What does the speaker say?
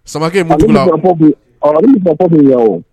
Samake Mutugula; Agibu mɔkɛ bɛ yen, Agibu mɔkɛ bɛ yan o.